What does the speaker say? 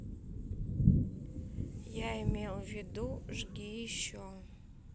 я имел в виду жги еще